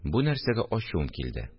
Бу нәрсәгә ачуым килде